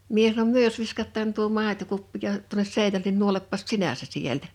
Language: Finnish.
minä sanoin me jos viskataan tuo maitokuppi - tuonne seinälle niin nuolepas sinä se sieltä